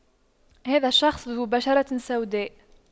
هذا الشخص ذو بشرة سوداء